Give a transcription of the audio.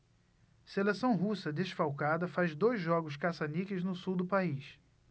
seleção russa desfalcada faz dois jogos caça-níqueis no sul do país